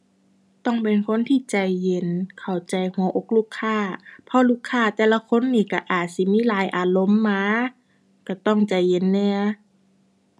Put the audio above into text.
ต้องเป็นคนที่ใจเย็น เข้าใจหัวอกลูกค้า เพราะลูกค้าแต่ละคนนี้ก็อาจสิมีหลายอารมณ์มา ก็ต้องใจเย็นแหน่